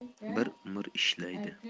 bir umr ishlaydi